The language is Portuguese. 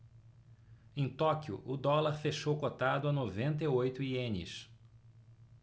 em tóquio o dólar fechou cotado a noventa e oito ienes